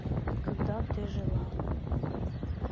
когда ты жила